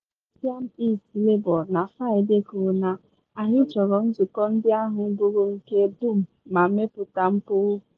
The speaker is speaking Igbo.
Ọkwa maka nzụkọ Nottingham East Labour na Fraịde kwuru na “anyị chọrọ nzụkọ ndị ahụ bụrụ nke dum ma mịpụta mkpụrụ.”